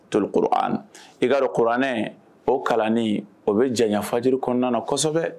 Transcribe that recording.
Tokura i kaa kuranɛ o kalan o bɛ janɲafajri kɔnɔna na